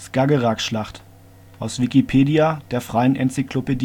Skagerrakschlacht, aus Wikipedia, der freien Enzyklopädie